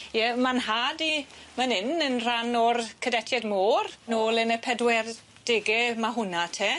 Ie ma'n nhad i myn' yn yn rhan o'r cadetied môr nôl yn y pedwer dege ma' hwnna te.